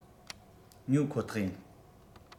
ཉོ ཁོ ཐག ཡིན